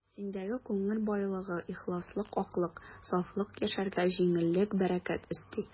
Синдәге күңел байлыгы, ихласлык, аклык, сафлык яшәргә җиңеллек, бәрәкәт өсти.